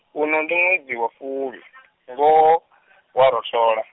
uno ndi ṅwedzi wa fulwi , ngoho, hu a rothola.